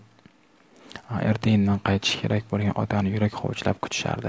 a erta indin qaytishi kerak bo'lgan otani yurak hovuchlab kutishardi